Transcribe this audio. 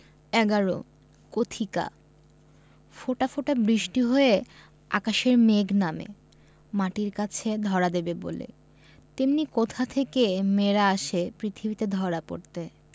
১১ কথিকা ফোঁটা ফোঁটা বৃষ্টি হয়ে আকাশের মেঘ নামে মাটির কাছে ধরা দেবে বলে তেমনি কোথা থেকে মেয়েরা আসে পৃথিবীতে ধরা পড়তে